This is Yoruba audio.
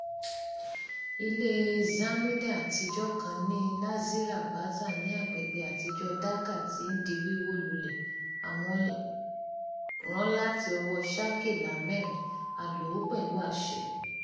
Ilée Zamindar àtijọ́ kan ní Nazira Bazar ní agbègbèe Àtijọ́ọ Dhaka ti ń di wíwó lulẹ̀. Àwòrán láti ọwọ́ọ Shakil Ahmed. A lò ó pẹlú àṣẹ.